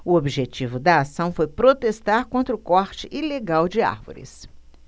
o objetivo da ação foi protestar contra o corte ilegal de árvores